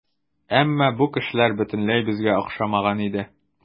Әмма бу кешеләр бөтенләй безгә охшамаган иде.